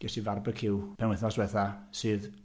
Ges i farbeciw penwythnos diwetha, sydd...